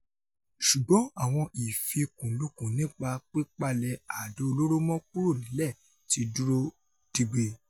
Ṣùgbọ́n àwọn ìfikùnlukùn nípa pípalẹ àdó olóró mọ kúrò nílẹ̀ ti dúró digbé.